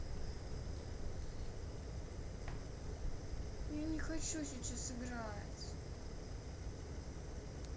я не хочу сейчас играть